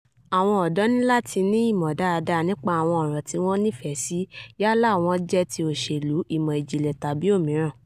Àwọn ọ̀dọ́ ní láti ní ìmọ̀ dáadáa nípa àwọn ọ̀ràn tí wọ́n nífẹ̀ẹ́ sí — yálà wọ́n jẹ́ ti òṣèlú, ìmọ̀ ìjìnlẹ̀, àbí òmíràn.